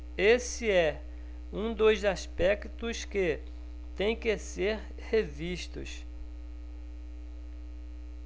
esse é um dos aspectos que têm que ser revistos